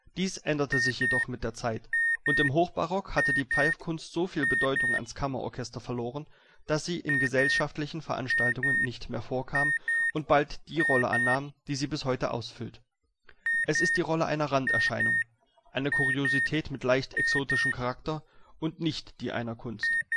Dies änderte sich jedoch mit der Zeit, und im Hochbarock hatte die Pfeifkunst so viel Bedeutung ans Kammerorchester verloren, dass sie in gesellschaftlichen Veranstaltungen nicht mehr vorkam und bald die Rolle annahm, die sie bis heute ausfüllt. Es ist die Rolle einer Randerscheinung, einer Kuriosität mit leicht exotischem Charakter und nicht die einer Kunst